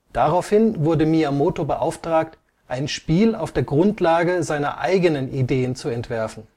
Daraufhin wurde Miyamoto beauftragt, ein Spiel auf der Grundlage seiner eigenen Ideen zu entwerfen